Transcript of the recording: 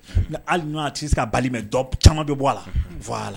Ali ɲɔgɔn a tɛ se ka ba caman dɔ bɔ a la bɔ a la